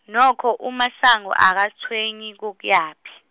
nokho, uMasango akatshwenyi kokuyaphi.